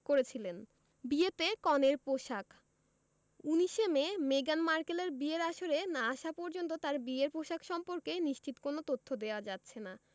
করেছিলেন বিয়েতে কনের পোশাক ১৯ মে মেগান মার্কেলের বিয়ের আসরে না আসা পর্যন্ত তাঁর বিয়ের পোশাক সম্পর্কে নিশ্চিত কোনো তথ্য দেওয়া যাচ্ছে না